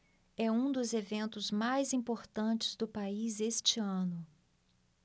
é um dos eventos mais importantes do país este ano